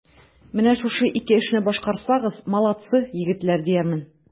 Менә шушы ике эшне башкарсагыз, молодцы, егетләр, диярмен.